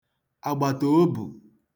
àgbàtàobù